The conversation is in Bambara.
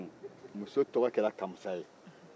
dɔnki muso tɔgɔ kɛra kamusa ye